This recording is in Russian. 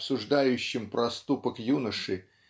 обсуждающем проступок юноши